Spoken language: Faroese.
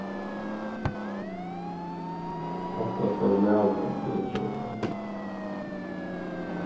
ofta fór maðurin til útróðrar